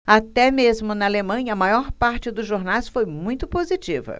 até mesmo na alemanha a maior parte dos jornais foi muito positiva